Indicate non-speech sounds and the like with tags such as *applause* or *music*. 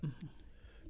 *hesitation* *hesitation*